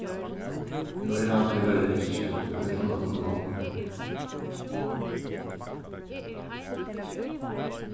nú er hann tíverri ikki ímillum okkum longur